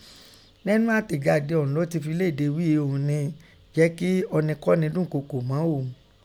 Nẹ́nu atẹjade ọ̀ún lọ́ ti fi lede ghí i òun nìí jẹ́ kin ọnikọ́ni dunkoko mọ òun.